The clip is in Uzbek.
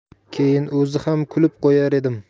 keyin o'zi ham kulib qo'yar edim